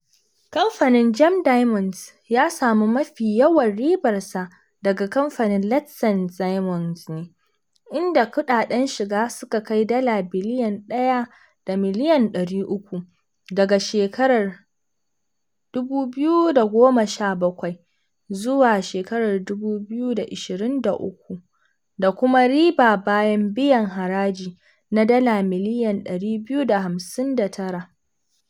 Kamfanin GEM Diamonds ya samu mafi yawan ribarsa daga kamfanin Letšeng Diamonds ne, inda kuɗaɗen shiga suka kai dala biliyan 1.3 daga shekarar 2017 zuwa 2023 da kuma riba bayan biyan haraji na dala miliyan 259.